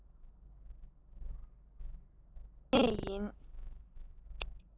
དེ འདི ནས ཡིན